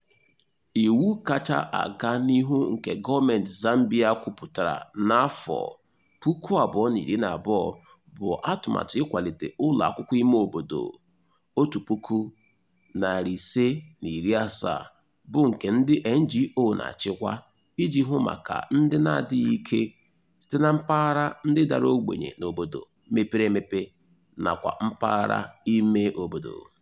Iwu kacha aga n'ihu nke gọọmentị Zambia kwupụtara na 2012 bụ atụmatụ ịkwalite ụlọakwụkwọ imeobodo 1,570 bụ nke ndị NGO na-achịkwa iji hụ maka ndị na-adịghị ike sitere na mpaghara ndị dara ogbenye n'obodo mepere emepe nakwa mpaghara imeobodo.